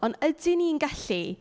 Ond, ydyn ni'n gallu...